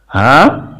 Haaan